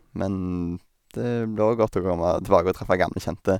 Men det blir òg godt å komme tilbake og treffe gamle kjente.